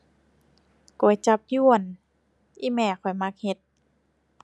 ก๋วยจั๊บญวน อีแม่ข้อยมักเฮ็ด